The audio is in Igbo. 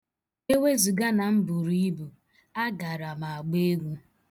Ewezuga na m buru ibu, a gara m agba egwu.